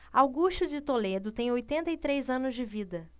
augusto de toledo tem oitenta e três anos de vida